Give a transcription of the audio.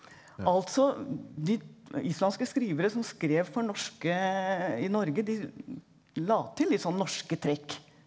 altså de islandske skrivere som skrev for norske i Norge de la til litt sånn norske trekk.